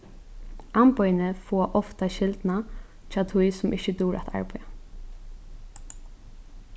amboðini fáa ofta skyldina hjá tí sum ikki dugir at arbeiða